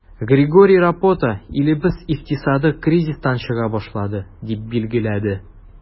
Григорий Рапота, илебез икътисады кризистан чыга башлады, дип билгеләде.